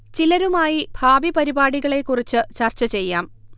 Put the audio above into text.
ചിലരുമായി ഭാവി പരിപാടികളെ കുറിച്ച് ചർച്ചചെയ്യാം